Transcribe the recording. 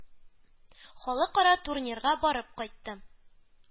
Халыкара турнирга барып кайтты.